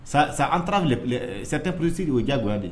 San san an taara satep ppursi o diyago de